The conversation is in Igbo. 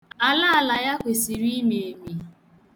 Alaala ya kwesịrị imi emi.